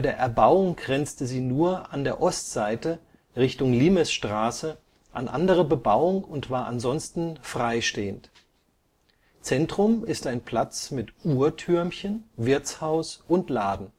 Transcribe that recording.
Erbauung grenzte sie nur an der Ostseite, Richtung Limesstraße, an andere Bebauung und war ansonsten freistehend. Zentrum ist ein Platz mit Uhrtürmchen, Wirtshaus und Laden